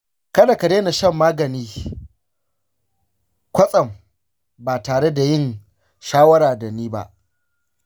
kada ka daina shan magani kwatsam ba tare da yin shawara da ni bah.